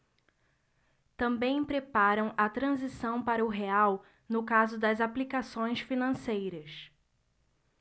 também preparam a transição para o real no caso das aplicações financeiras